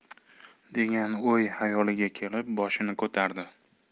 degan uy xayoliga kelib boshini ko'tardi